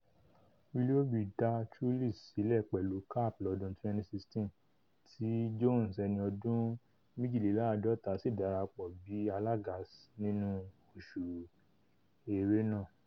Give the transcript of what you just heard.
Willoughby dá Truly sílẹ̀ pẹ̀lú Capp lọ́dún 2016 tí Jones, ẹni ọdún méjìléláàádọ́ta, sì darapọ̀ bí alága nínú oṣù Erénà.